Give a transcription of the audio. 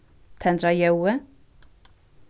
tendra ljóðið